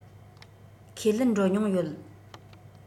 ཁས ལེན འགྲོ མྱོང ཡོད